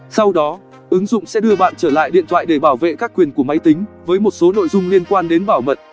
sau đó ứng dụng sẽ đưa bạn trở lại điện thoại để bảo vệ các quyền của máy tính với một số nội dung liên quan đến bảo mật